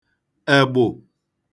ègbụ̀